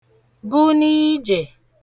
buni ijè